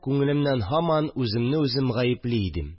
Күңелемнән һаман үземне үзем гаепли идем